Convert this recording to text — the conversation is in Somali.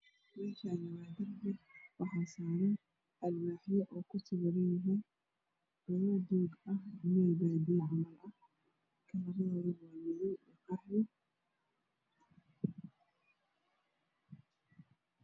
Meeshaan waa darbi waxaa saaran alwaaxyo waan meel baadiyo ah. Alwaaxyo kalarkiisu waa madow iyo qaxwi.